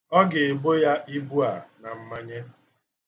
Ọ ga-ebo ya ibu a na mmanye.